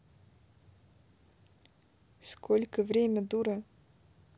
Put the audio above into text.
сколько время дура